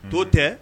To tɛ